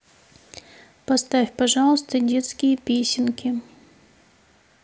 поставь пожалуйста детские песенки